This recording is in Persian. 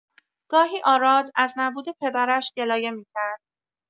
گاهی آراد از نبود پدرش گلایه می‌کرد.